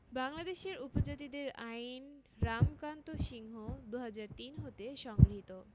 বাংলাদেশের উপজাতিদের আইন রামকান্ত সিংহ ২০০৩ হতে সংগৃহীত